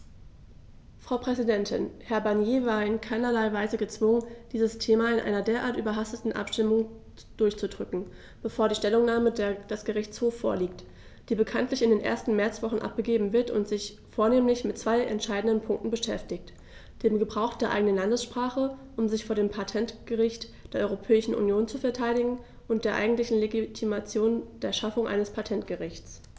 Frau Präsidentin, Herr Barnier war in keinerlei Weise gezwungen, dieses Thema in einer derart überhasteten Abstimmung durchzudrücken, bevor die Stellungnahme des Gerichtshofs vorliegt, die bekanntlich in der ersten Märzwoche abgegeben wird und sich vornehmlich mit zwei entscheidenden Punkten beschäftigt: dem Gebrauch der eigenen Landessprache, um sich vor dem Patentgericht der Europäischen Union zu verteidigen, und der eigentlichen Legitimität der Schaffung eines Patentgerichts.